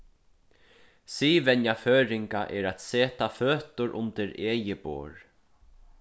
siðvenja føroyinga er at seta føtur undir egið borð